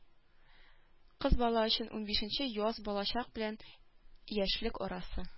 Кыз бала өчен унбишенче яз балачак белән яшьлек арасы.